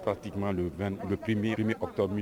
Fatima bɛ bɛ pe miiri ni awtɔ min